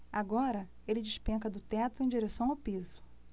agora ele despenca do teto em direção ao piso